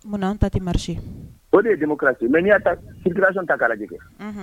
Munna an ta tɛ mari o de ye denmuso mɛ n y'a siralasi ta kalaji dɛ